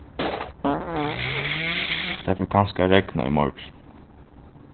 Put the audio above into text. tað fer kanska at regna í morgin